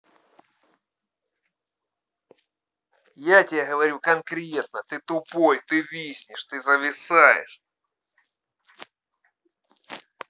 я тебе говорю конкретно ты тупой ты виснешь ты зависаешь